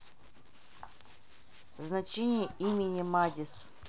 значение имени мадис